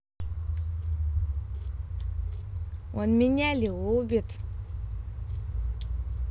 он меня любит